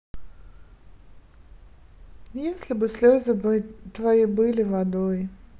если бы слезы твои были водой